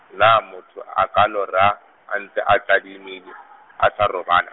na motho a ka lora, a ntse a tadimile, a sa robala.